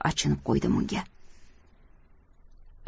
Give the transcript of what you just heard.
deb achinib qo'ydim unga